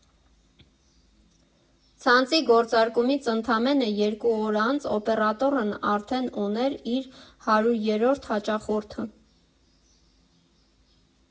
Ցանցի գործարկումից ընդամենը երկու օր անց օպերատորն արդեն ուներ իր հարյուրերորդ հաճախորդը։